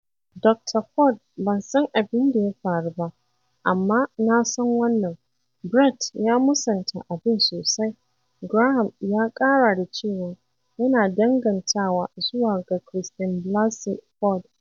"Dokta Ford, ban san abin da ya faru ba, amma na san wannan: Brett ya musanta abin sosai," Graham ya ƙara da cewa, yana dangantawa zuwa ga Christine Blasey Ford.